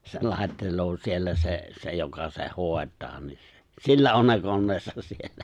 se laittelee siellä se se joka sen hoitaa niin sillä on ne koneensa siellä